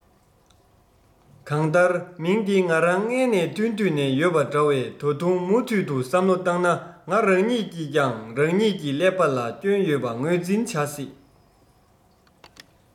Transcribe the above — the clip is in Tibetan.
གང ལྟར མིང འདི ང རང མངལ ནས ཐོན དུས ནས ཡོད པ འདྲ བས ད དུང མུ མཐུད དུ བསམ བློ བཏང ན ང རང ཉིད ཀྱིས ཀྱང རང ཉིད ཀྱི ཀླད པ ལ སྐྱོན ཡོད པ ངོས འཛིན བྱ སྲིད